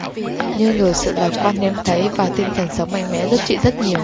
nhưng rồi sự lạc quan hiếm thấy và tinh thần sống mạnh mẽ giúp chị rất nhiều